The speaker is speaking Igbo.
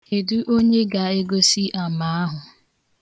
Kedu onye ga- egosi ama ahụ?